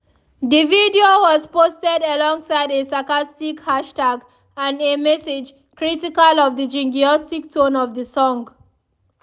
The video was posted alongside a sarcastic hashtag and a message critical of the jingoistic tone of the song.